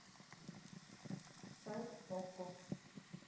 сайт okko